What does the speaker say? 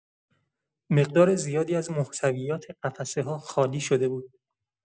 مقدار زیادی از محتویات قفسه‌ها خالی شده بود.